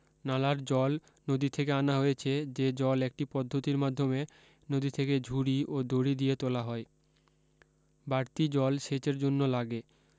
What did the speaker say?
নালার জল নদী থেকে আনা হয়েছে যে জল একটি পদ্ধতির মাধ্যমে নদী থেকে ঝুড়ি ও দড়ি দিয়ে তোলাহয় বাড়তি জল সেচের জন্য লাগে